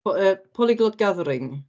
p- uh polyglot gathering?